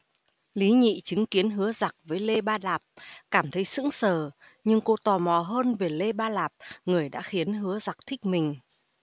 lý nhị chứng kiến hứa dặc với lê ba lạp cảm thấy sững sờ nhưng cô tò mò hơn về lê ba lạp người đã khiến hứa dặc thích mình